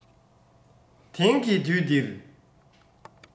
དེང གི དུས འདིར